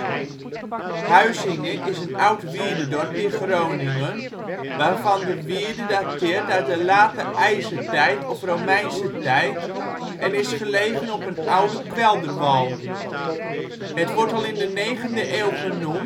Huizinge is een oud wierdedorp in Groningen, waarvan de wierde dateert uit de Late IJzertijd of Romeinse tijd en is gelegen op een oude kwelderwal. Het wordt al in de 9e eeuw genoemd in